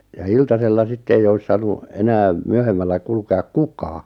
ja iltasella sitten ei olisi saanut enää myöhemmällä kulkeakaan kukaan